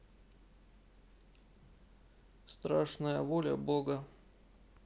страшная воля бога